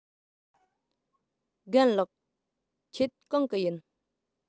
རྒན ལགས ཁྱེད གང གི ཡིན